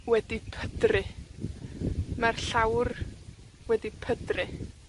wedi pydru. Mae'r llawr wedi pydru.